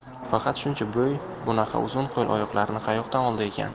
faqat shuncha bo'y bunaqa uzun qo'l oyoqlarni qayoqdan oldi ekan